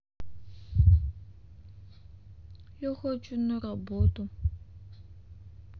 я хочу на работу